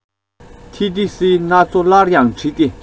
ཐེ རྡི སིའི གནའ མཚོ སླར ཡང བྲི སྟེ